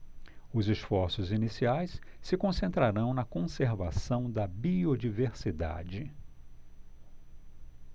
os esforços iniciais se concentrarão na conservação da biodiversidade